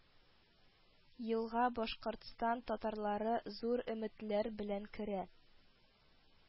Елга башкортстан татарлары зур өметләр белән керә